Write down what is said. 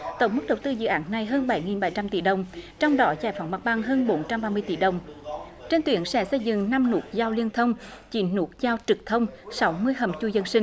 tổng mức đầu tư dự án này hơn bảy nghìn bảy trăm tỷ đồng trong đó giải phóng mặt bằng hơn bốn trăm ba mươi tỷ đồng trên tuyến sẽ xây dựng năm nút giao liên thông chín nút giao trực thông sáu mươi hầm chui dân sinh